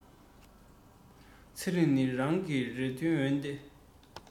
ཚེ རིང ནི རང གི རེ འདོད འོན ཏེ